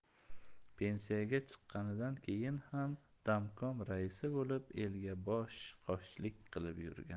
pensiyaga chiqqanidan keyin ham damkom raisi bo'lib elga bosh qoshlik qilib yurgan